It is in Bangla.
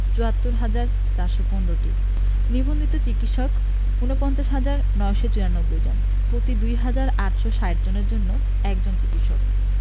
৭৪হাজার ৪১৫টি নিবন্ধিত চিকিৎসক ৪৯হাজার ৯৯৪ জন প্রতি ২হাজার ৮৬০ জনের জন্য একজন চিকিৎসক